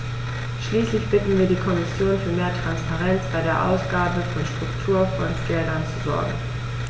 Schließlich bitten wir die Kommission, für mehr Transparenz bei der Ausgabe von Strukturfondsgeldern zu sorgen.